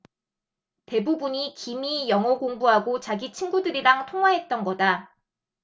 대부분이 김 이 영어공부하고 자기 친구들이랑 통화했던 거다